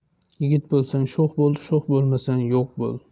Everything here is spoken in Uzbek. yigit bo'lsang sho'x bo'l sho'x bo'lmasang yo'q bo'l